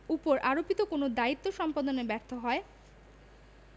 উপর আরোপিত কোন দায়িত্ব সম্পাদনে ব্যর্থ হয়